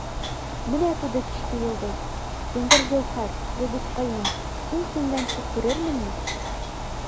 Менә туды кичке йолдыз, зәңгәр җәүһәр, йолдызкаем, син сүнгәнче күрерменме?